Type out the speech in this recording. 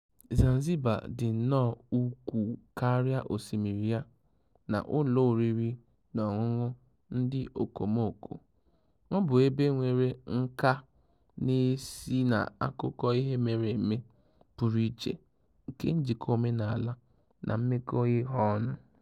Zanzibar dị nnọọ ukwuu karịa osimmiri ya na ụlọ oriri na ọṅụṅụ ndị okomoko - ọ bụ ebe nwere nkà na-esi na akụkọ ihe mere eme pụrụ iche nke njikọ omenaala na mmekọ ihe ọnụ.